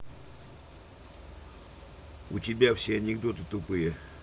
у тебя все анекдоты тупые